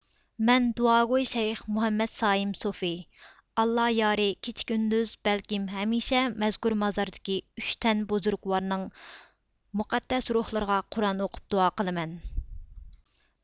مەن دۇئاگوي شەيخ مۇھەممەد سايىم سۇفى ئاللا يارى كېچە كۈندۈز بەلكى ھەمىشە مەزكۇر مازاردىكى ئۈچ تەن بۇزرۇگۋارنىڭ مۇقەددەس روھلىرىغا قۇرئان ئوقۇپ دۇئا قىلىمەن